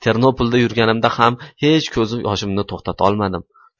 ternopolda yurganimda ham hech ko'z yoshimni to'xtatolmadim